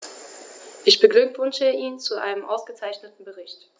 Ich beglückwünsche ihn zu seinem ausgezeichneten Bericht.